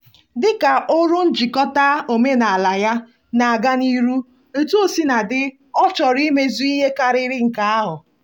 Dị ka ọrụ njikọta omenala ya na-aga n'ihu, etuọsinadị, ọ chọrọ imezu ihe karịrị nke ahụ.